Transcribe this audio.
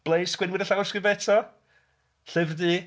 Ble sgwennwyd y llawysgrifau eto? Llyfr Du?